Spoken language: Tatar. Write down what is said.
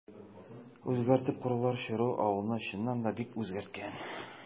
Үзгәртеп корулар чоры авылны, чыннан да, бик үзгәрткән.